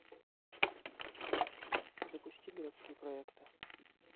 запусти городские проекты